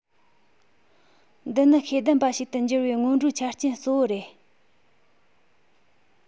འདི ནི ཤེས ལྡན པ ཞིག ཏུ འགྱུར བའི སྔོན འགྲོའི ཆ རྐྱེན གཙོ བོ རེད